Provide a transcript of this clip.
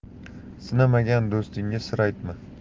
sinamagan do'stingga sir aytma